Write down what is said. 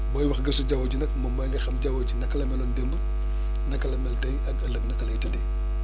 booy wax gëstu jaww ji nag moom mooy nga xam jaww ji naka la meloon démb naka la mel tey ak ëllëg naka lay tëddee